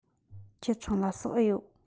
ཁྱེད ཚང ལ ཟོག འུ ཡོད